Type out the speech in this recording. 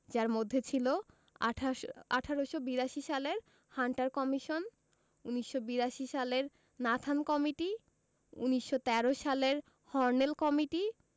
যার মধ্যে ছিল ১৮৮২ সালের হান্টার কমিশন ১৯১২ সালের নাথান কমিটি ১৯১৩ সালের হর্নেল কমিটি